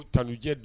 U talujɛ